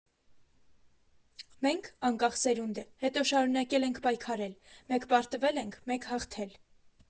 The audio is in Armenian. Մենք՝ անկախ սերունդը, հետո շարունակել ենք պայքարել, մեկ պարտվել ենք, մեկ հաղթել։